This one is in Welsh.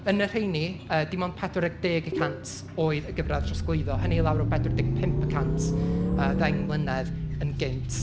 Yn yr rheini, yy dim ond pedwar deg y cant oedd y gyfradd trosglwyddo. Hynny i lawr o pedwar deg pump y cant yy ddeng mlynedd yn gynt.